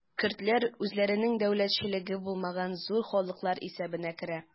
Көрдләр үзләренең дәүләтчелеге булмаган зур халыклар исәбенә керә.